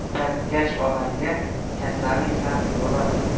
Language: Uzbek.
mehnatkash odamga kasallik ham yo'lamaydi